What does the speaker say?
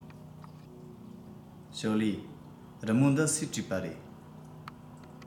ཞོའོ ལིའི རི མོ འདི སུས བྲིས པ རེད